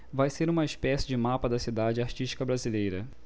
vai ser uma espécie de mapa da cidade artística brasileira